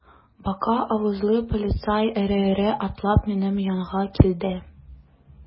Бака авызлы полицай эре-эре атлап минем янга килде.